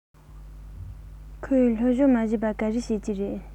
ཁོས སློབ སྦྱོང མ བྱས པར ག རེ བྱེད ཀྱི ཡོད རས